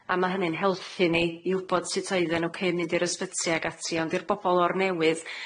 A ma' hynny'n helplu ni i wbod sut oedden nw cyn mynd i'r ysbyty ag ati, ond i'r bobol o'r newydd